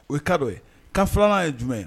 O ye kadon ye kan filanan ye jumɛn